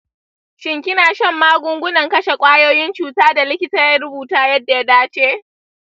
shin kina shan magungunan kashe kwayoyin cuta da likita ya rubuta yadda ya dace?